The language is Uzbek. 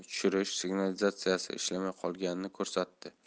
tushirish signalizatsiyasi ishlamay qolganini ko'rsatdi